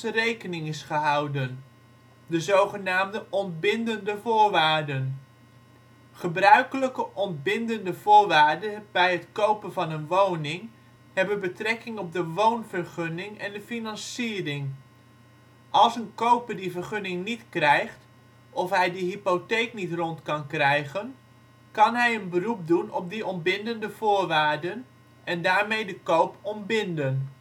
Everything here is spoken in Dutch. rekening is gehouden: de zogenaamde ontbindende voorwaarden. Gebruikelijke ontbindende voorwaarden bij het kopen van een woning hebben betrekking op de woonvergunning en de financiering: als de koper die vergunning niet krijgt, of hij de hypotheek niet rond kan krijgen, kan hij een beroep doen op die ontbindende voorwaarden, en daarmee de koop ontbinden